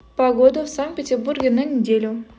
погода в санкт петербурге на неделю